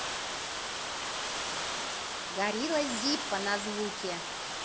горилла зиппо на звуке